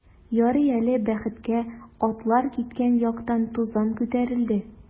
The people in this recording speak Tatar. Ярый әле, бәхеткә, атлар киткән яктан тузан күтәрелде.